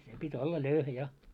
se piti olla löyhä ja